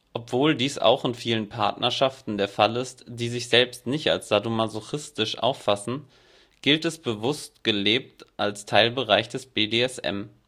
Obwohl dies auch in vielen Partnerschaften der Fall ist, die sich selbst nicht als sadomasochistisch auffassen, gilt es bewusst gelebt als Teilbereich des BDSM